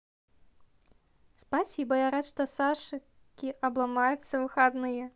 спасибо я рад что сашки обломаются выходные